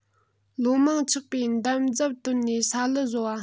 ལོ མང ཆགས པའི འདམ རྫབ བཏོན ནས ས ལུད བཟོ བ